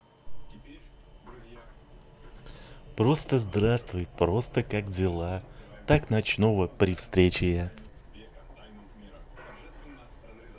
просто здравствуй просто как дела так ночного при встречея